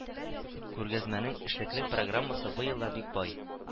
Күргәзмәнең эшлекле программасы быел да бик бай